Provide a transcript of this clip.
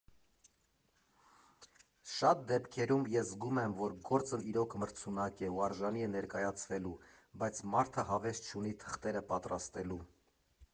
Շատ դեպքերում ես զգում եմ, որ գործն իրոք մրցունակ է ու արժանի է ներկայացվելու, բայց մարդը հավես չունի թղթերը պատրաստելու։